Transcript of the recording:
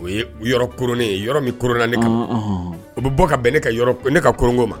O ye knen ye yɔrɔ min kna ne kan o bɛ bɔ ka bɛn ne ne ka kko ma